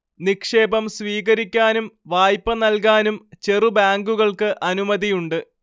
നിക്ഷേപം സീകരിക്കാനും വായ്പ നൽക്കാനും ചെറു ബാങ്കുകൾക്ക് അനുമതിയുണ്ട്